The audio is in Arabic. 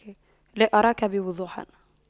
لا أراك بوضوح